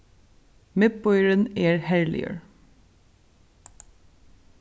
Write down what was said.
miðbýurin er herligur